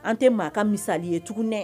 An tɛ maa ka misali ye tuguninɛ